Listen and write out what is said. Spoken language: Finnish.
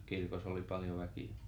ja kirkossa oli paljon väkeä